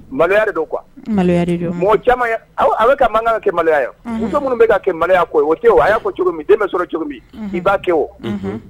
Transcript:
Mallya de don quoi ;maloya de don; Mɔgɔ caaman y'a a bɛ ka mankan kɛ o yɛrɛ tɛ maloya ye; Unhun; Muso minnu bɛ ka kɛ maloya ko o tɛ o, a y'a fɔ cogo min den bɛ sɔrɔ cogo min; Unhun ;i b'a kɛ o.